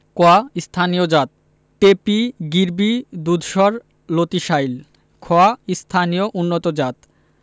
ক স্থানীয় জাতঃ টেপি গিরবি দুধসর লতিশাইল খ স্থানীয় উন্নতজাতঃ